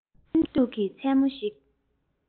སྟོན མཇུག གི མཚན མོ ཞིག